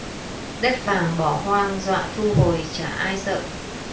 đất vàng bỏ hoang dọa thu hồi chả ai sợ